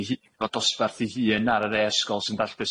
'i hu- fo dosbarth 'i hun ar y wê ysgol 's ti'n dallt be'